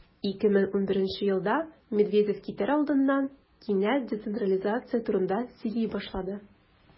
2011 елда медведев китәр алдыннан кинәт децентрализация турында сөйли башлады.